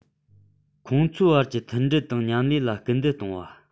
ཁོང ཚོའི བར གྱི མཐུན སྒྲིལ དང མཉམ ལས ལ སྐུལ འདེད གཏོང བ